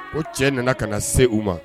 O cɛ nana ka na se u ma